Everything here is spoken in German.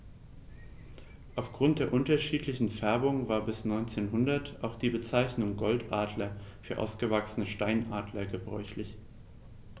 Auf Grund der unterschiedlichen Färbung war bis ca. 1900 auch die Bezeichnung Goldadler für ausgewachsene Steinadler gebräuchlich.